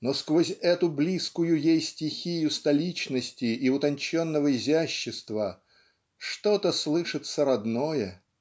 Но сквозь эту близкую ей стихию столичности и утонченного изящества "что-то слышится родное"